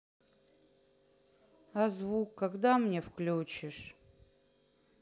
а звук когда мне включишь